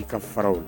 I ka faraw